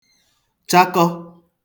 chakọ